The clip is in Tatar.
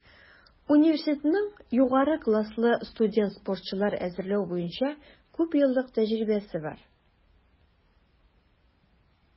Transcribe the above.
Университетның югары класслы студент-спортчылар әзерләү буенча күпьеллык тәҗрибәсе бар.